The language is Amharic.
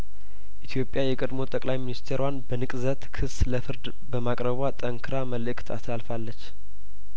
ኢትዮጵያ የቀድሞ ጠቅላይ ሚንስቴሯን በንቅዘት ክስ ለፍርድ በማቅረቧ ጠንክራ መልእክት አስተላልፋለች